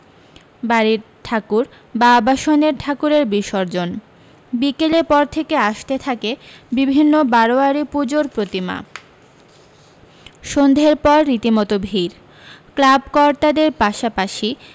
বাড়ীর ঠাকুর বা আবাসনের ঠাকুরের বিসর্জন বিকেলের পর থেকে আসতে থাকে বিভিন্ন বারোয়ারি পূজোর প্রতিমা সন্ধের পর রীতিমতো ভিড় ক্লাব কর্তাদের পাশাপাশি